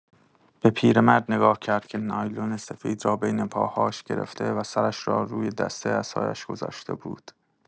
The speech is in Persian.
به پیرمرد نگاه کرد که نایلون سفید را بین پاهاش گرفته و سرش را روی دسته عصایش گذاشته بود.